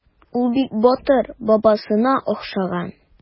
Ул бик батыр, бабасына охшаган.